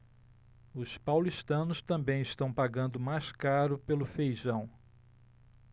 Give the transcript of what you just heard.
os paulistanos também estão pagando mais caro pelo feijão